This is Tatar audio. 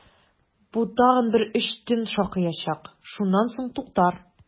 Бу тагын бер өч төн шакыячак, шуннан соң туктар!